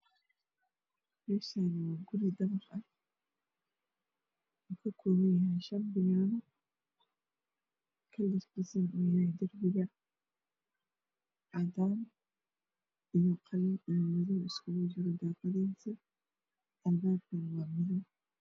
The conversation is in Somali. Meshan waxaa kuyalo dabaq oo dheer waxow kakoban yahay shan biyano kalar kisi waa cadan iyo madow iyo qalin albabkis waa madow